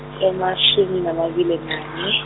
emashumi namabili nanye.